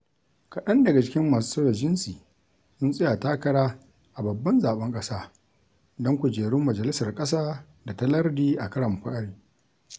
Kaɗan daga cikin masu sauya jinsi sun tsaya takara a babban zaɓen ƙasa don kujerun majalisar ƙasa da ta lardi a karon fari.